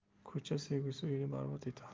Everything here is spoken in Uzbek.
ko'cha sevgisi uyni barbod etar